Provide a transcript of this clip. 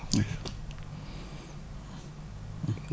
dëgg la